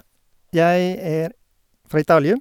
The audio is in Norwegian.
Jeg er fra Italia.